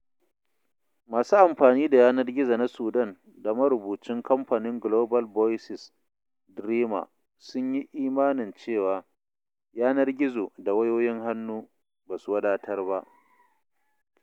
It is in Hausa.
Masu amfani da yanar gizo na Sudan da marubucin Kamfanin Global Voices Drima sun yi imanin cewa, yanar gizo da wayoyin hannu ba su wadatar ba.